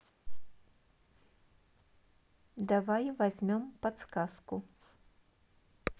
давай возьмем подсказку